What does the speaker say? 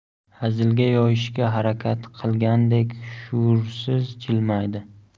hazilga yo'yishga harakat qilgandek shuursiz jilmaydi